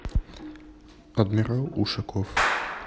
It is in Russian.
адмирал ушаков